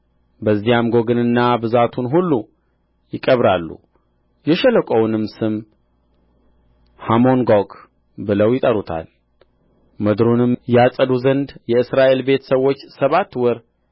በዚያም ጎግንና ብዛቱን ሁሉ ይቀብራሉ የሸለቆውንም ስም ሐሞንጎግ ብለው ይጠሩታል ምድሩንም ያጸዱ ዘንድ የእስራኤል ቤት ሰዎች ሰባት ወር